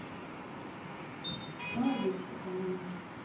молодец что понимаешь